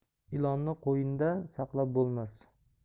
ilonni qo'yinda saqlab bo'lmas